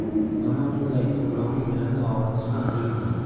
yomon so'z aytib birovning dilini og'ritish ham zulmdir